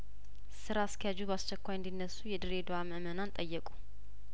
ስራ አስኪያጁ በአስቸኳይእንዲ ነሱ የድሬደዋምእመናን ጠየቁ